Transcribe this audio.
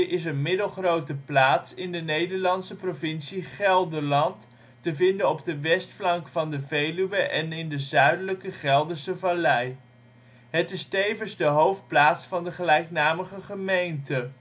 is een middelgrote plaats in de Nederlandse provincie Gelderland, te vinden op de westflank van de Veluwe en in de zuidelijke Gelderse Vallei. Het is tevens de hoofdplaats van de gelijknamige gemeente